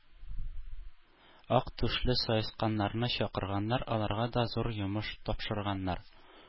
Ак түшле саесканнарны чакырганнар, аларга да зур йомыш тапшырганнар.